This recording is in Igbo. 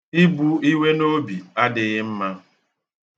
Ibu iwe n'obi adịghị mma.